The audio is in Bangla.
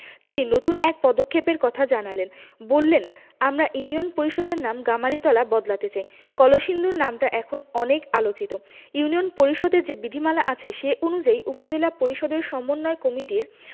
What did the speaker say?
তিনি নতুন এক পদক্ষেপের কথা জানালেন বললেন আমরা ইউনিয়ন পরিষদের নাম গামারিতলা বদলাতে চাই কলসিন্দুর নামটা এখন অনেক আলোচিত ইউনিয়ন পরিষদের যে বিধিমালা আছে সে অনুযায়ী উপজেলা পরিষদের সমন্বয় কমিটির